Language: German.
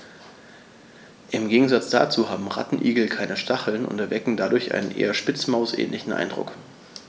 Im Gegensatz dazu haben Rattenigel keine Stacheln und erwecken darum einen eher Spitzmaus-ähnlichen Eindruck.